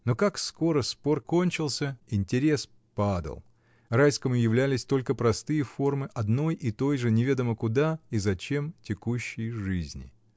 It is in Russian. Но как скоро спор кончался, интерес падал, Райскому являлись только простые формы одной и той же, неведомо куда и зачем текущей жизни.